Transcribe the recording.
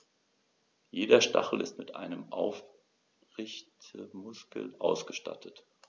Jeder Stachel ist mit einem Aufrichtemuskel ausgestattet.